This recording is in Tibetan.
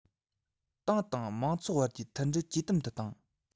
ཏང དང མང ཚོགས བར གྱི མཐུན སྒྲིལ ཇེ དམ དུ བཏང